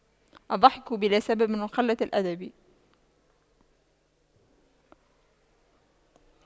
الضحك بلا سبب من قلة الأدب